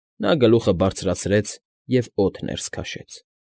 Նա գլուխը բարձրացրեց և օդ ներս քաշեց։